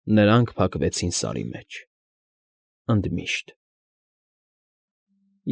Նրանք փակվեցին Սարի մեջ… ընդմիշտ։